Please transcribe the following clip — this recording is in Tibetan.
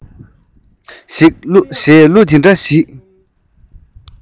ཞེས གླུ འདི འདྲ ཞིག རང དབང